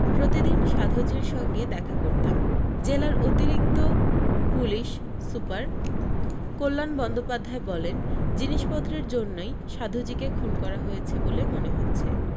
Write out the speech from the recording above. প্রতি দিন সাধুজির সঙ্গে দেখা করতাম জেলার অতিরিক্ত পুলিশ সুপার কল্যান বন্দ্যোপাধ্যায় বলেন জিনিসপত্রের জন্যই সাধুজিকে খুন করা হয়েছে বলে মনে হচ্ছে